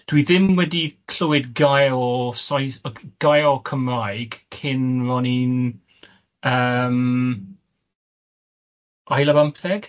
Dwi ddim wedi clywed gair o Saes- yy gair Cymraeg cyn ro'n i'n yym, ail y bymtheg?